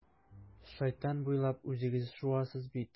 Шайтан буйлап үзегез шуасыз бит.